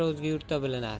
o'zga yurtda bilinar